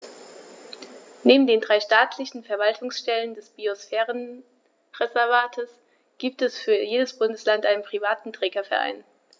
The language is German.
Neben den drei staatlichen Verwaltungsstellen des Biosphärenreservates gibt es für jedes Bundesland einen privaten Trägerverein.